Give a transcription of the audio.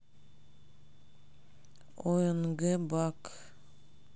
онг бак